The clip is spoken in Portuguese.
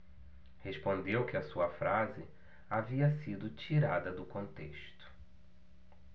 respondeu que a sua frase havia sido tirada do contexto